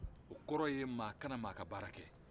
o kɔrɔ ye mɔgɔ kana mɔgɔ ka baara kɛ